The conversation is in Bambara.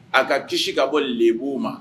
A ka kisi ka bɔ bbuw ma